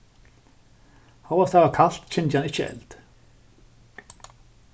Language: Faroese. hóast tað var kalt kyndi hann ikki eld